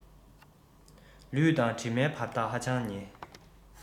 ལུས དང གྲིབ མའི བར ཐག ཧ ཅང ཉེ